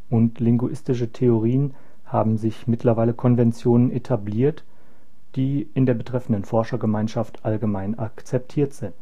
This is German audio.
und linguistische Theorien haben sich mittlerweile Konventionen etabliert, die in der betreffenden Forschergemeinschaft allgemein akzeptiert sind